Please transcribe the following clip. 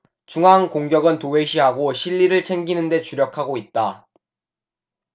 중앙 공격은 도외시하고 실리를 챙기는 데 주력하고 있다